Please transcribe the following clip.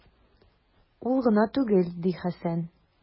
Ул гына түгел, - ди Хәсән.